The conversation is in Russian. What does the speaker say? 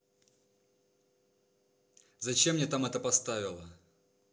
зачем мне там это поставила